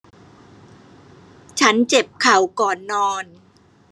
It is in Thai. ฉันเจ็บเข่าก่อนนอน